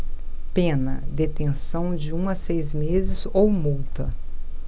pena detenção de um a seis meses ou multa